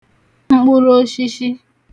mkpụrụoshishi